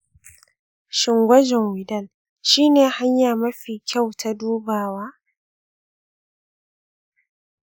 shin gwajin widal shi ne hanya mafi kyau ta dubawa?